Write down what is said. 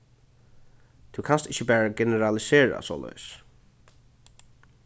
tú kanst ikki bara generalisera soleiðis